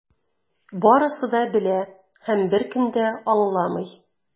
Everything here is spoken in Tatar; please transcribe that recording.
Барысы да белә - һәм беркем дә аңламый.